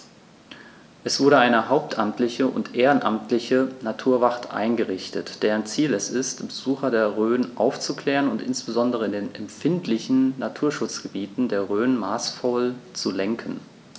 Es wurde eine hauptamtliche und ehrenamtliche Naturwacht eingerichtet, deren Ziel es ist, Besucher der Rhön aufzuklären und insbesondere in den empfindlichen Naturschutzgebieten der Rhön maßvoll zu lenken.